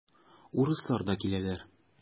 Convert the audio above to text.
Урыслар да киләләр.